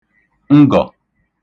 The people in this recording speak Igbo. ngọ̀